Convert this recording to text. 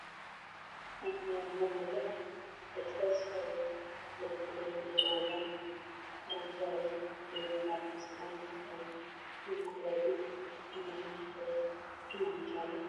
Meeshaan waa beer waxaa ka baxayo gedo waa la waraabinayaa nin ay agtaagan oo surwaal madow qabo